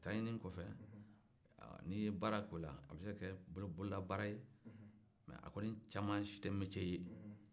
ta ɲini kɔfɛ ayiwa n'i ye baara k'o la a bɛ se ka bolola baara mɛ a kɔni caman si tɛ metiye ye